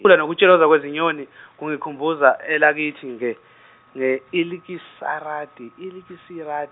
ukucula nokutshiloza kwezinyoni kungikhumbuza elakithi nge, ne- Ilikisarati Ilikisira-.